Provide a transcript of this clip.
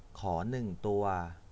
ขอหนึ่งตัว